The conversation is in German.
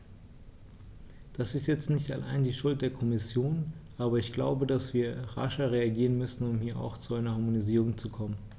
Das ist jetzt nicht allein die Schuld der Kommission, aber ich glaube, dass wir rascher reagieren müssen, um hier auch zu einer Harmonisierung zu kommen.